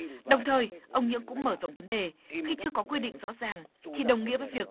đồng thời ông nhưỡng cũng mở rộng vấn đề khi chưa có quy định rõ ràng thì đồng nghĩa với việc